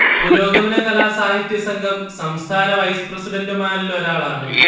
പുരോഗമന കലാ സാഹിത്യ സംഘം സംസ്ഥാന വൈസ് പ്രസിഡന്റുമാരിലൊരാളാണ്